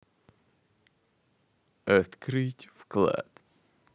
открыть вклад